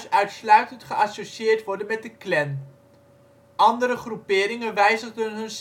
uitsluitend geassocieerd worden met de Klan. Andere groeperingen wijzigden